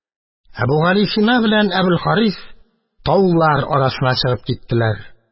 Әбүгалисина белән Әбелхарис таулар арасына чыгып киттеләр.